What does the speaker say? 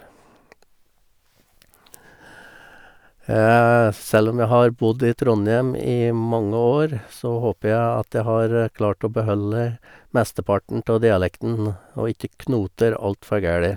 Selv om jeg har bodd i Trondhjem i mange år, så håper jeg at jeg har klart å beholde mesteparten ta dialekten, og ikke knoter altfor gæli.